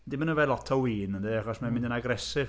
'Di hi'm yn yfed lot o win, ynde, achos mae'n mynd yn aggressive